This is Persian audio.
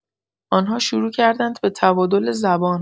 آنها شروع کردند به تبادل زبان